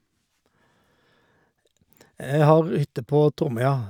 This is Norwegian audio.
Jeg har hytte på Tromøya.